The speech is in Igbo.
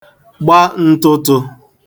gba n̄tụ̄tụ̄